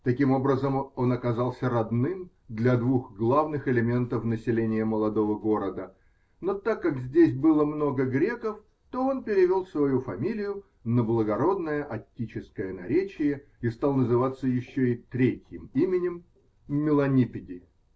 таким образом он оказался родным для двух главных элементов населения молодого города, но так как здесь было много греков, то он перевел свою фамилию на благородное аттическое наречие и стал называться еще и третьим именем -- Меланиппиди.